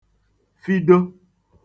fido